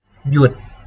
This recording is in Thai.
หยุด